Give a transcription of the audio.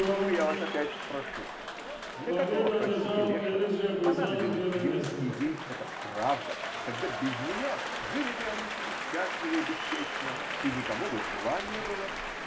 Только я вас опять спрошу: для какого, простите, лешего понадобилась ему и ей эта правда, когда без нее жили бы они себе счастливо и беспечно и никому бы зла не было?